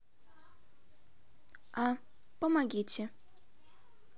а помогите